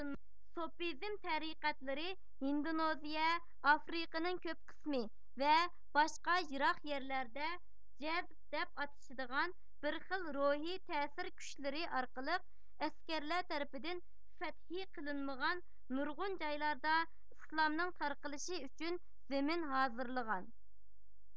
سوپىزم تەرىقەتلىرى ھىندونېزىيە ئافرىقىنىڭ كۆپ قىسمى ۋە باشقا يىراق يەرلەردە جەزب دەپ ئاتىشىدىغان بىر خىل روھىي تەسىر كۈچلىرى ئارقىلىق ئەسكەرلەر تەرىپىدىن فەتھى قىلىنمىغان نۇرغۇن جايلاردا ئىسلامنىڭ تارقىلىشى ئۈچۈن زېمىن ھازىرلىغان